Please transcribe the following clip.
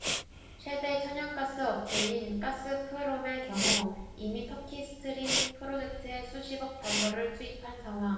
최대 천연가스업체인 가스프롬의 경우 이미 터키 스트림 프로젝트에 수십억 달러를 투입한 상황